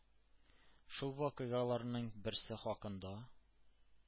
Шул вакыйгаларның берсе хакында